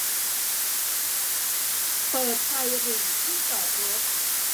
เปิดไฟหรี่ที่จอดรถ